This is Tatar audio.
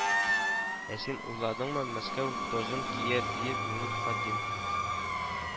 Ә син уйладыңмы Мәскәү Таҗын кияр диеп минем хадим